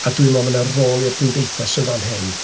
A dwi'n meddwl ma' 'na rôl i'r gymdeithas yn fan hyn.